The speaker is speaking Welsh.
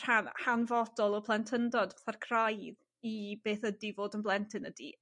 rhan hanfodol o plentyndod 'tha'r craidd i beth ydi fod yn blentyn ydi